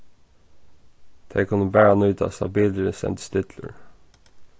tey kunnu bara nýtast tá bilurin stendur stillur